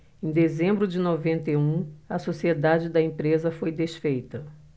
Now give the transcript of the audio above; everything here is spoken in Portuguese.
em dezembro de noventa e um a sociedade da empresa foi desfeita